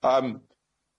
Yym.